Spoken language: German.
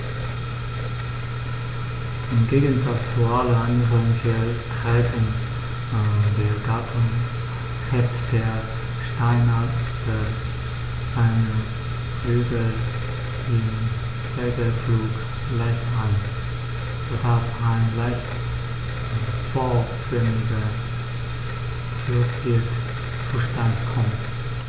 Im Gegensatz zu allen anderen Vertretern der Gattung hebt der Steinadler seine Flügel im Segelflug leicht an, so dass ein leicht V-förmiges Flugbild zustande kommt.